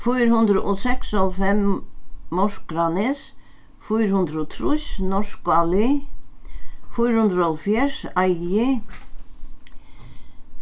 fýra hundrað og seks morskranes fýra hundrað og trýss norðskáli fýra hundrað og hálvfjerðs eiði